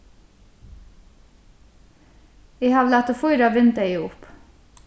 eg havi latið fýra vindeygu upp